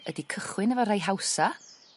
...ydi cychwyn efo rhei hawsa